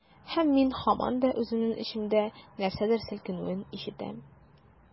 Һәм мин һаман да үземнең эчемдә нәрсәдер селкенүен ишетәм.